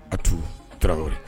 A tun tarawele